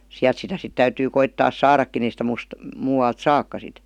sieltä sitä sitten täytyy koittaa saadakin ei sitä - muualta saakaan sitten